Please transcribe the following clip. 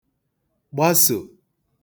gbasò